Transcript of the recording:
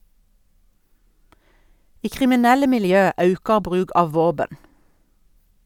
I kriminelle miljø aukar bruk av våpen.